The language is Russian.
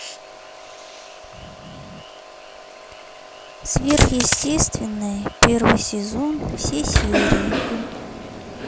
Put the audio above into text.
сверхъестественное первый сезон все серии